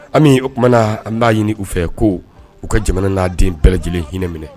Ami, o kumana an b'a ɲini u fɛ ko u ka jamana n'a den bɛɛ lajɛlen hinɛ minɛ.